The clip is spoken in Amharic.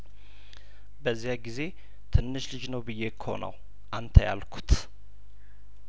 በዚያ ጊዜ ትንሽ ልጅ ነው ብዬ እኮ ነው አንተ ያልኩት